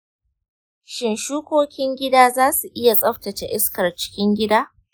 shin shukokin gida zasu iya tsaftace iskar cikin gida?